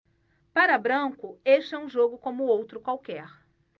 para branco este é um jogo como outro qualquer